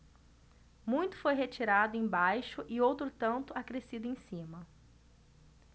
muito foi retirado embaixo e outro tanto acrescido em cima